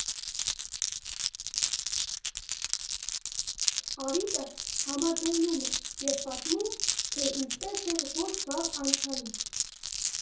Արիկը համաձայնում է և պատմում, թե ինչպես էր ոչ վաղ անցյալում.